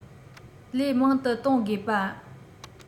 ལས མང དུ གཏོང དགོས པ